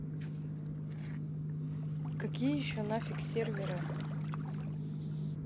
какие еще нафиг серверы